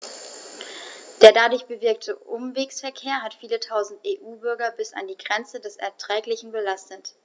Der dadurch bewirkte Umwegsverkehr hat viele Tausend EU-Bürger bis an die Grenze des Erträglichen belastet.